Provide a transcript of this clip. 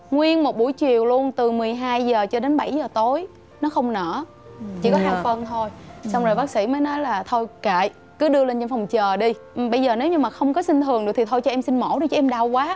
nguyên một buổi chiều luôn từ mười hai giờ cho đến bảy giờ tối nó không nở chỉ có hai phân thôi xong rồi bác sĩ mới nói là thôi kệ cứ đưa lên phòng chờ đi bây giờ nếu như mà không có sinh thường được thì thôi cho em sinh mổ đi chứ em đau quá